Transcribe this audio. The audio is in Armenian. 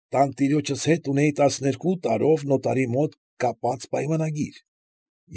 Տանտիրոջս հետ ունեի տասներկու տարով նոտարի մոտ կապած պայմանագիր։